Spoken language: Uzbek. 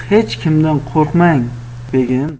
hech kimdan qo'rqmang begim